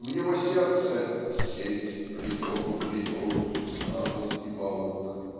в его сердце "сеть плетет-плетет усталости паук"